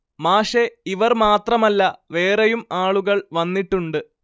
മാഷെ ഇവർ മാത്രമല്ല വേറെയും ആളുകൾ വന്നിട്ടുണ്ട്